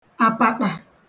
àpàtà